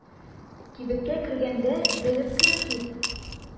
Кибеткә кергәндә белеп кереп кит.